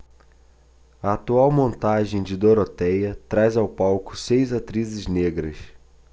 a atual montagem de dorotéia traz ao palco seis atrizes negras